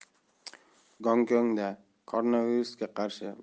gonkongda koronavirusga qarshi